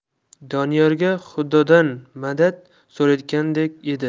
doniyorga xudodan madad so'rayotgandek edi